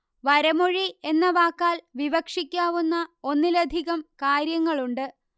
വരമൊഴി എന്ന വാക്കാൽ വിവക്ഷിക്കാവുന്ന ഒന്നിലധികം കാര്യങ്ങളുണ്ട്